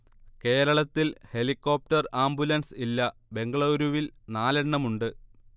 കേരളത്തിൽ helicopter ambulance ഇല്ല ബെംഗളൂരുവിൽ നാലെണ്ണമുണ്ട്